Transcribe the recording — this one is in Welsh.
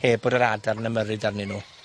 Heb bod yr adar yn ymyrryd arnyn nw.